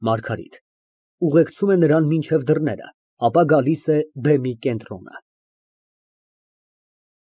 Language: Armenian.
ՄԱՐԳԱՐԻՏ ֊ (Ուղեկցում է նրան մինչև դռները, ապա գալիս է բեմի կենտրոնը)։